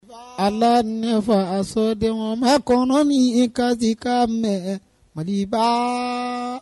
Alaa, Ala ni sodenw ma kɔnɔni kasi kan mɛn Mali ba